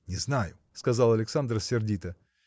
– Не знаю, – сказал Александр сердито.